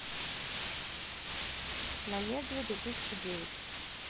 намедни две тысячи девять